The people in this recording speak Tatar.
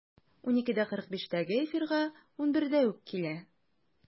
12.45-тәге эфирга 11-дә үк килә.